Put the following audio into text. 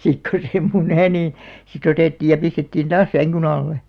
sitten kun se muni niin sitten otettiin ja pistettiin taas sängyn alle